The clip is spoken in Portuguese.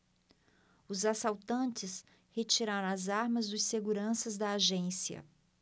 os assaltantes retiraram as armas dos seguranças da agência